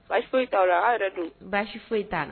Baasi foyi t'a la aw yɛrɛ dun basi foyi t'an